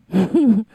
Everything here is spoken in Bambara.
Un